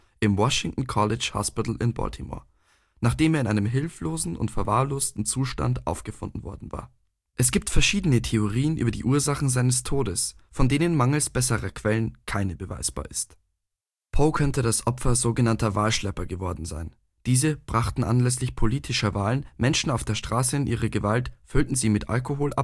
im Washington College Hospital in Baltimore, nachdem er in hilflosem und verwahrlostem Zustand aufgefunden worden war. Es gibt verschiedene Theorien über die Ursache seines Todes, von denen mangels besserer Quellen keine beweisbar ist: Poe könnte das Opfer sogenannter Wahlschlepper geworden sein. Diese brachten anlässlich politischer Wahlen Menschen auf der Straße in ihre Gewalt, füllten sie mit Alkohol